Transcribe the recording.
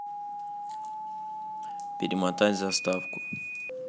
перемотать заставку